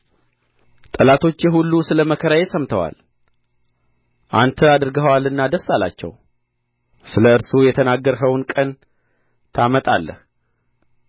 ጠላቶቼ ሁሉ ስለ መከራዬ ሰምተዋል አንተ አድርገኸዋልና ደስ አላቸው ስለ እርሱ የተናገርኸውን ቀን ታመጣለህ